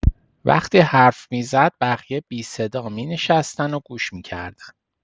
وقتی حرف می‌زد، بقیه بی‌صدا می‌نشستن و گوش می‌کردن.